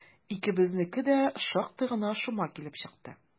Икебезнеке дә шактый гына шома килеп чыкты.